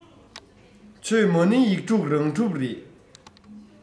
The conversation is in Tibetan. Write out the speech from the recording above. ཆོས མ ཎི ཡིག དྲུག རང གྲུབ རེད